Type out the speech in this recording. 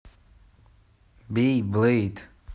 bei блейд